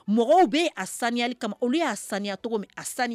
Mɔgɔw bɛ a sanyali kama olu y'a sanya cogo min a sanu